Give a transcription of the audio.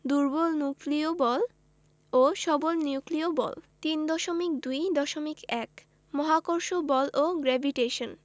দুর্বল নিউক্লিয় বল ও সবল নিউক্লিয় বল ৩.২.১ মহাকর্ষ বল ও গ্রেভিটেশন